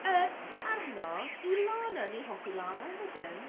Yy arno i Lana. Ni'n hoffi Lana yn dydyn.